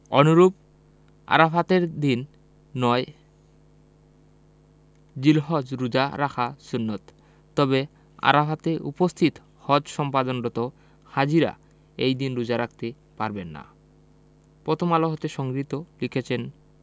অনুরূপ আরাফাতের দিন ৯ জিলহজ রোজা রাখা সুন্নাত তবে আরাফাতে উপস্থিত হজ সম্পাদনরত হাজিরা এই দিন রোজা রাখতে পারবেন না পথমআলো হতে সংগৃহীত লিখেছেন